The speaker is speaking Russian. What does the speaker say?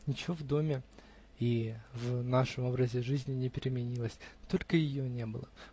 ничего в доме и в нашем образе жизни не переменилось только ее не было.